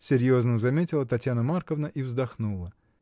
— серьезно заметила Татьяна Марковна и вздохнула.